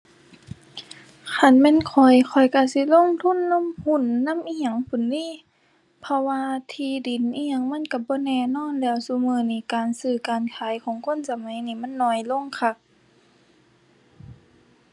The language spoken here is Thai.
คันแม่นข้อย ข้อยก็สิลงทุนลงหุ้นนำอิหยังพู้นหนิ เพราะว่าที่ดินอิหยังมันก็บ่แน่นอนแล้ว ซุมื้อนี้การซื้อการขายของคนสมัยนี้มันน้อยลงคัก